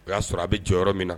O y'a sɔrɔ a bɛ jɔyɔrɔ yɔrɔ min na